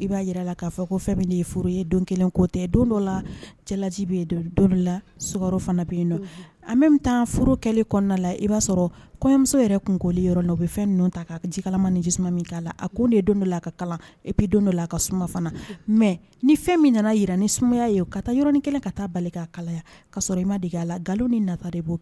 i b'a jiraa fɔ ko fɛn min de furu ye don kelen ko tɛ don dɔ la cɛlaji bɛ don dɔ la s fana bɛ yen an bɛ bɛ taa furu kɛlen kɔnɔna la i b'a sɔrɔ kɔɲɔmuso yɛrɛ tunli yɔrɔ nɔ o bɛ fɛn ninnu ta'a ji kalama ni diuman min k'a la a ko nin don dɔ la a ka kalan ep don dɔ la a ka suma fana mɛ ni fɛn min nana jira ni sumaya ye ka taa yɔrɔ ni kɛ ka taa bali k ka kalaya ka sɔrɔ i ma dege' a la nkalon ni na de' kɛ